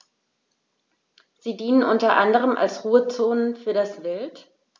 Sie dienen unter anderem als Ruhezonen für das Wild.